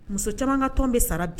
Muso caman ŋa tɔn be sara bi